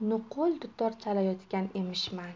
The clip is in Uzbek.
nuqul dutor chalayotgan emishman